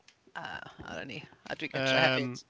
Yy o 'na ni a dwi gartre hefyd ... Yym. ...